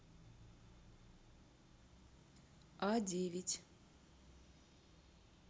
а девять